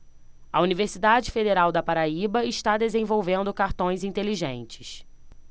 a universidade federal da paraíba está desenvolvendo cartões inteligentes